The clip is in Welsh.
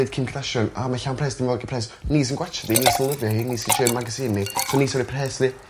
deud Kim Kardashian o mae llawn pres dwi'm yn licio pres. Ni sy'n gwatsiad 'i ni sy lyfio hi ni sy isie ei magazine 'i. so ni sy roi pres iddi.